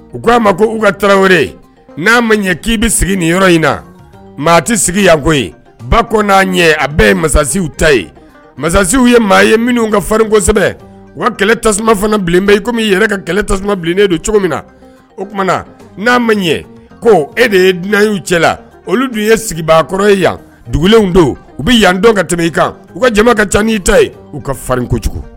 U k'a ma ko u ka tarawele ore n'a ma ɲɛ k'i bɛ sigi nin yɔrɔ in na maa t tɛ sigi yanko ye ba ko n'a ɲɛ a bɛɛ ye mansasiww ta ye masasiww ye maa ye minnu ka faririn kosɛbɛ u kɛlɛ tasuma fana bilenbɛ i komi' i yɛrɛ ka kɛlɛ tasuma bilennen don cogo min na o tumaumana n'aan ma ɲi ko e de ye dunanw cɛ la olu dun ye sigibaakɔrɔ ye yan dugulenw don u bɛ yan dɔn ka tɛmɛ i kan u ka jama ka cani ta ye u ka farin kojugu